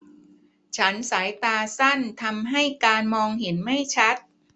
ฉันสายตาสั้นทำให้การมองเห็นไม่ชัด